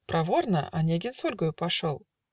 проворно Онегин с Ольгою пошел